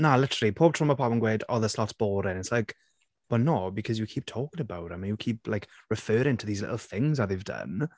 Na literally pob tro mae pobl yn gweud "Oh this lot's boring." It's like "well no, because you keep talking about 'em, you keep like referring to these little things that they've done".